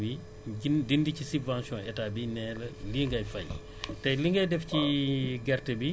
ñun ñu defal la calcul wi dindi ci subvention état bi ne la lii ngay fay te li ngay def